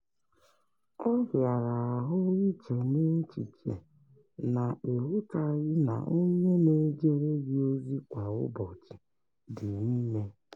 Ọ hịara ahụ iche n'echiche na ị hutaghị na onye na-ejere gị ozi kwa ụbọchị dị ime.